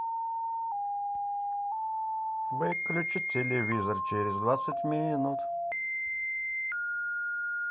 выключить телевизор через двадцать минут